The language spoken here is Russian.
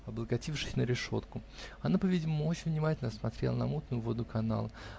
облокотившись на решетку, она, по-видимому, очень внимательно смотрела на мутную воду канала.